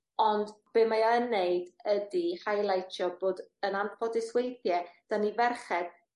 Ond be' mae o yn neud ydi highleitio bod yn anffodus weithie 'dan i ferched